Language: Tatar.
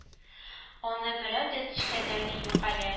Аны берәү дә тикшергәне юк әле